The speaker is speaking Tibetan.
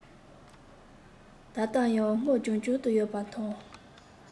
ད ལྟ ཡང སྔོ ལྗང ལྗང དུ ཡོད པ མཐོང